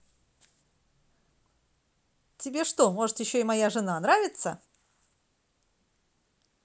тебе что может еще и моя жена нравится